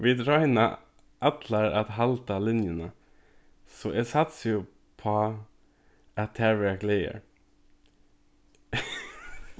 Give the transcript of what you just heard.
vit royna allar at halda linjuna so eg satsi upp á at tær vera glaðar